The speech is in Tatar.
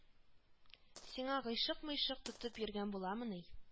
Сиңа гыйшык-мыйшык тотып йөргән буламыни